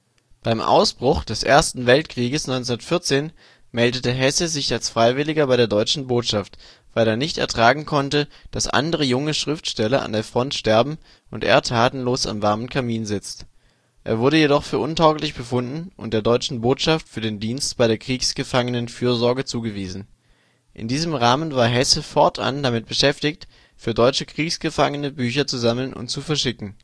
Beim Ausbruch des Ersten Weltkrieges 1914 meldete Hesse sich als Freiwilliger bei der deutschen Botschaft, weil er nicht ertragen konnte, dass andere junge Schriftsteller an der Front sterben und er tatenlos am warmen Kamin sitzt. Er wurde jedoch für untauglich befunden und der deutschen Botschaft für den Dienst bei der Kriegsgefangenenfürsorge zugewiesen. In diesem Rahmen war Hesse fortan damit beschäftigt, für deutsche Kriegsgefangene Bücher zu sammeln und zu verschicken